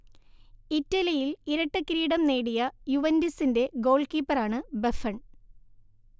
ഇറ്റലിയിൽ ഇരട്ടക്കിരീടം നേടിയ യുവന്റസിന്റെ ഗോൾകീപ്പറാണ് ബഫൺ